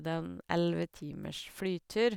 Det er en elleve timers flytur.